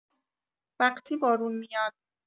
وقتی بارون میاد